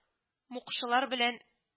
Мукшылар белән